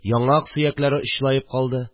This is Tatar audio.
Яңак сөякләре очлаеп калды